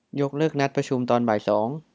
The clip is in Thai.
ยกเลิกนัดประชุมตอนบ่ายสอง